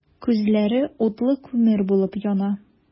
Күзләре утлы күмер булып яна.